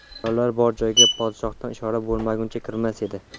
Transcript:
u ayollar bor joyga podshohdan ishora bo'lmaguncha kirmas edi